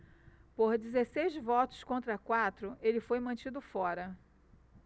por dezesseis votos contra quatro ele foi mantido fora